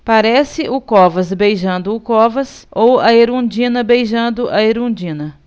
parece o covas beijando o covas ou a erundina beijando a erundina